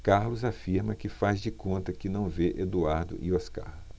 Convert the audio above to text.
carlos afirma que faz de conta que não vê eduardo e oscar